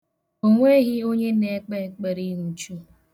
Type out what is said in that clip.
O nweghị onye na-ekpe ekpere ịnwụchu.